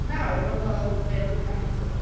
Nawr maen nhw'n... mhm... meddwl ambiti Wales and Wrexham.